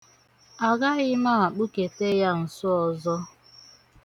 Agaghị m akpụketa ya nso ọzọ.